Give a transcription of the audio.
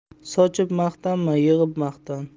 sochib maqtanma yig'ib maqtan